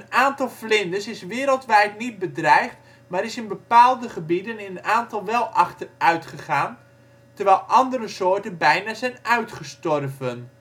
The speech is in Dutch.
aantal vlinders is wereldwijd niet bedreigd maar is in bepaalde gebieden in aantal wel achteruit gegaan terwijl andere soorten bijna zijn uitgestorven